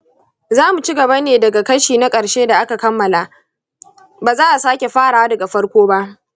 za mu ci gaba ne daga kashi na ƙarshe da aka kammala, ba za a sake farawa daga farko ba.